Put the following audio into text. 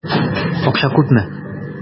Акча күпме?